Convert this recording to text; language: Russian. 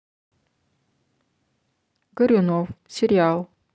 горюнов сериал